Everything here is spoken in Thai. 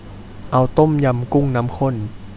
เอาต้มยำกุ้งน้ำข้น